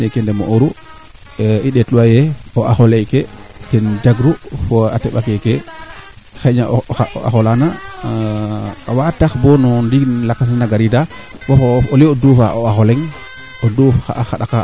i naanga sutooka ndiing fat i ndeeta varieté ke i tana ndeet it ke meteo falak na leyaa no ndiing ne xar